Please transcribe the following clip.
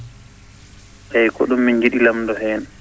eeyi ko ɗum min njiɗi lamdo heen